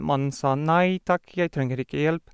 Nei takk, jeg trenger ikke hjelp.